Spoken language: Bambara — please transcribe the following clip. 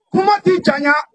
Kuma'i jɔn